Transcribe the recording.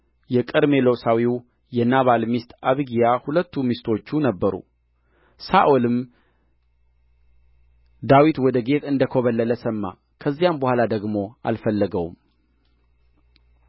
የቀርሜሎሳዊው የናባል ሚስት አቢግያ ሁለቱ ሚስቶቹ ነበሩ ሳኦልም ዳዊት ወደ ጌት እንደ ኰበለለ ሰማ ከዚያም በኋላ ደግሞ አልፈለገውም